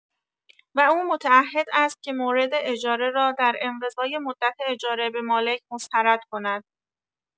و او متعهد است که مورد اجاره را در انقضای مدت اجاره به مالک مسترد کند.